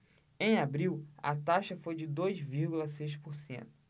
em abril a taxa foi de dois vírgula seis por cento